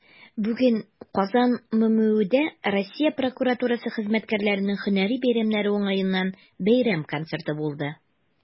Бүген "Казан" ММҮдә Россия прокуратурасы хезмәткәрләренең һөнәри бәйрәмнәре уңаеннан бәйрәм концерты булды.